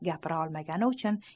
gapira olmagani uchun